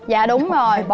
dạ đúng rồi